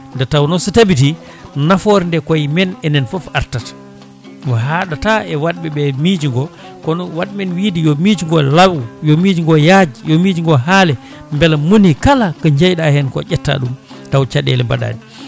nde tawno so tabiti nafoore nde koye men enen foof aratata haɗata e waɗɓeɓe miijo ngo kono waɗi men wiide yo miijo law yo miijo ngo yajj yo miijo ngo haale beele monikala ko jeeyɗa hen ko ƴetta ɗum taw caɗele mbaɗani